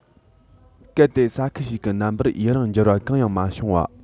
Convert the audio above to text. གལ ཏེ ས ཁུལ ཞིག གི རྣམ པར ཡུན རིང འགྱུར བ གང ཡང མ བྱུང བ